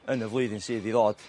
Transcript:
yn y flwyddyn sydd i ddod.